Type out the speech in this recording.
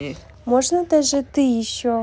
можно даже ты еще